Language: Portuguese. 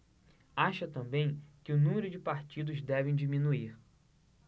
acha também que o número de partidos deve diminuir